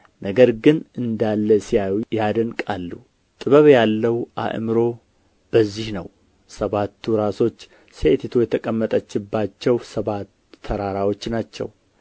ነገር ግን እንዳለ ሲያዩ ያደንቃሉ ጥበብ ያለው አእምሮ በዚህ ነው ሰባቱ ራሶች ሴቲቱ የተቀመጠችባቸው ሰባት ተራራዎች ናቸው